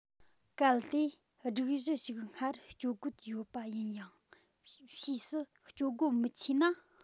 གལ ཏེ སྒྲིག གཞི ཞིག སྔར སྤྱོད སྒོ ཡོད པ ཡིན ཡང ཕྱིས སུ སྤྱོད སྒོ མི ཆེ ན